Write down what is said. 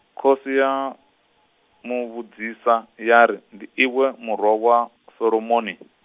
khosi ya, muvhudzisa ya ri, ndi iwe murwa wa, k- Solomoni ?